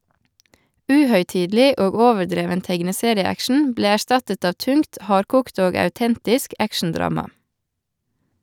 Uhøytidelig og overdreven tegneserieaction ble erstattet av tungt, hardkokt og autentisk action-drama.